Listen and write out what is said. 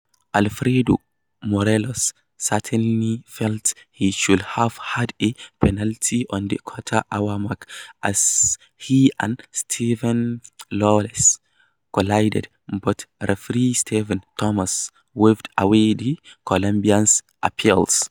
Alfredo Morelos certainly felt he should have had a penalty on the quarter-hour mark as he and Steven Lawless collided but referee Steven Thomson waved away the Colombian's appeals.